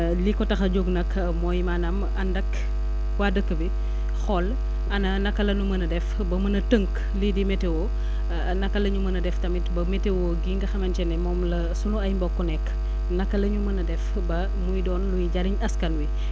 li ko tax a jóg nag mooy maanaam ànd ak waa dëkk bi xool ana naka la nu mën a def ba mën a tënk lii di météo naka la ñu mën a def tamit ba météo gii nga xamante ne moom la sunu ay mbokk nekk naka la ñu mën a def ba muy doon luy jëriñ askan wi